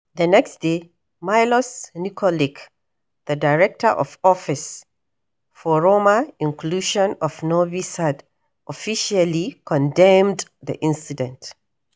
The next day, Miloš Nikolić, the Director of Office for Roma Inclusion of Novi Sad, officially condemned the incident.